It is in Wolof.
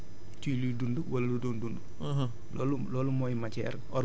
mooy lépp lu nga xamante ni dafa bàyyeekoo ci luy dund wala lu dul dund